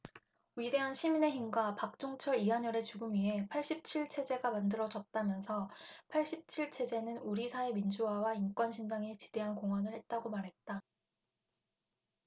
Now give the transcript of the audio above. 위대한 시민의 힘과 박종철 이한열의 죽음 위에 팔십 칠 체제가 만들어졌다면서 팔십 칠 체제는 우리 사회 민주화와 인권신장에 지대한 공헌을 했다고 말했다